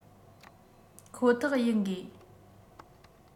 ཁོ ཐག ཡིན དགོས